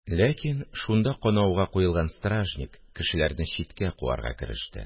Ләкин шунда канауга куелган стражник кешеләрне читкә куарга кереште